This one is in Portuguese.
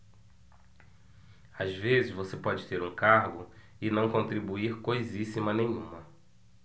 às vezes você pode ter um cargo e não contribuir coisíssima nenhuma